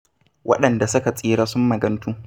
Waɗanda suka tsira sun magantu